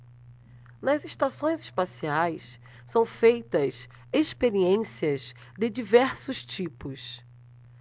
nas estações espaciais são feitas experiências de diversos tipos